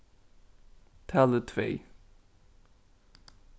talið tvey